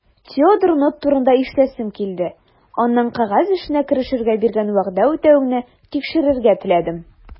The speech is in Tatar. Теодор Нотт турында ишетәсем килде, аннан кәгазь эшенә керешергә биргән вәгъдә үтәвеңне тикшерергә теләдем.